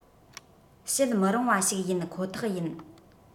བྱེད མི རུང བ ཞིག ཡིན ཁོ ཐག ཡིན